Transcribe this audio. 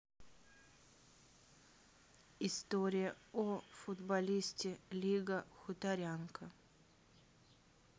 история о футболисте лига хуторянка